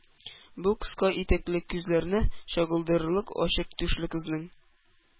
Бу кыска итәкле, күзләрне чагылдырырлык ачык түшле кызның